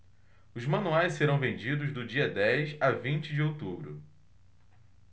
os manuais serão vendidos do dia dez a vinte de outubro